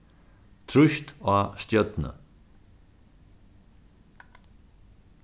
trýst á stjørnu